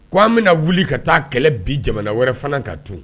K ko' an bɛna na wuli ka taa kɛlɛ bi jamana wɛrɛ fana ka tun